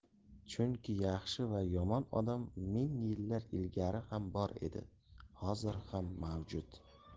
chunki yaxshi va yomon odam ming yillar ilgari ham bor edi hozir ham mavjud